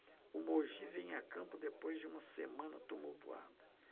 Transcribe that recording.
o mogi vem a campo depois de uma semana tumultuada